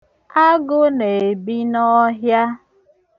Agụ na-ebi n'ọhịa.